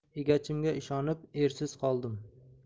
egachimga ishonib ersiz qoldim